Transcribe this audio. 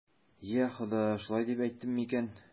Йа Хода, шулай дип әйттем микән?